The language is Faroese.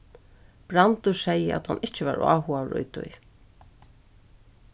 brandur segði hann ikki var áhugaður í tí